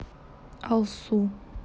алсу